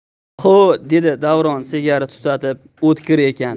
o'h ho' dedi davron sigara tutatib o'tkir ekan